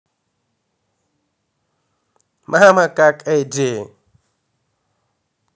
мама как jc